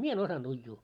minä en osannut uida